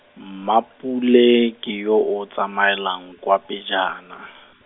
Mmapule ke yo o tsamaelang kwa pejana.